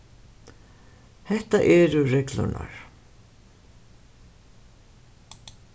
hetta eru reglurnar